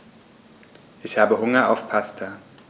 Ich habe Hunger auf Pasta.